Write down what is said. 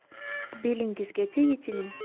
belingizgacha yechining